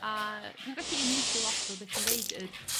A dw i'n gallu uniaethu lot fel be' ti'n deud yr